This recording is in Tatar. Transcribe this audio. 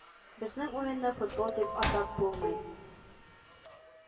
“безнең уенны футбол дип атап булмый.